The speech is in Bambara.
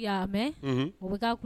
I y'a mɛn, unhun, o bɛ k'a